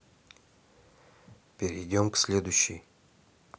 перейдем к следующий